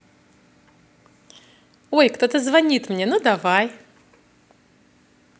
ой кто то звонит мне ну давай